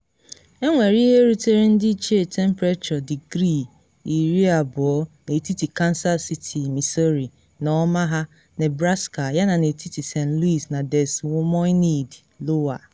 Enwere ihe rutere ndịiche temprechọ digrii-20 n’etiti Kansas City, Missouri, na Omaha, Nebraska, yana n’etiti St. Louis na Des Moined, Iowa.